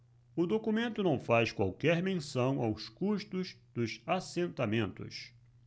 o documento não faz qualquer menção aos custos dos assentamentos